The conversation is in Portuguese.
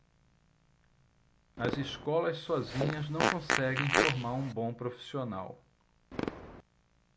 as escolas sozinhas não conseguem formar um bom profissional